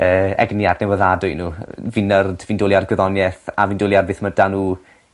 yy egni adnewyddiadwy n'w yy fi'n nerd fi'n dwli ar gwyddonieth a fi'n dwli ar beth ma' 'da n'w